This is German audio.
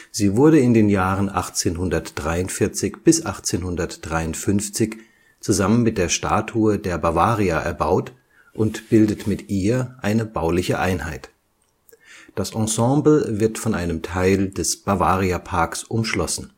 Sie wurde in den Jahren 1843 bis 1853 zusammen mit der Statue der Bavaria erbaut und bildet mit ihr eine bauliche Einheit. Das Ensemble wird von einem Teil des Bavariaparks umschlossen